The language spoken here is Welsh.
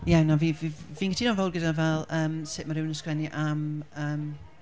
Ie na fi- f- fi'n cytuno'n fawr gyda fel yym, sut mae rhywun yn sgwennu am, yym...